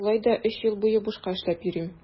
Болай да өч ел буе бушка эшләп йөрим.